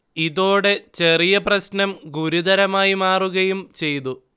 ഇതോടെ ചെറിയ പ്രശ്നം ഗുരുതരമായി മാറുകയും ചെയ്തു